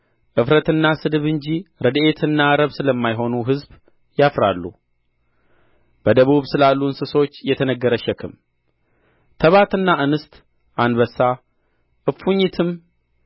እፍረትና ስድብ እንጂ ረድኤትና ረብ ስለማይሆኑ ሕዝብ ያፍራሉ በደቡብ ስላሉ እንስሶች የተነገረ ሸክም ተባትና እንስት አንበሳ እፉኝትም